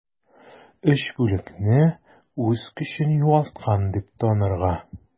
3 бүлекне үз көчен югалткан дип танырга.